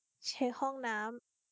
เช็คห้องน้ำ